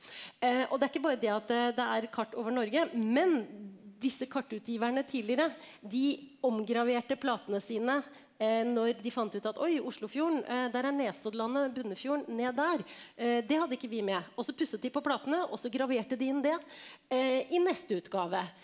og det er ikke bare det at det er kart over Norge, men disse kartutgiverne tidligere de omgraverte platene sine når de fant ut at oi Oslofjorden der er Nesoddlandet, Bunnefjorden ned der det hadde ikke vi med og så pusset de på platene og så graverte de inn det i neste utgave.